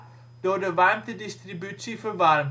door de warmtedistributie verwarmd. In